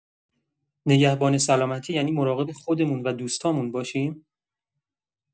نگهبان سلامتی یعنی مراقب خودمون و دوستامون باشیم؟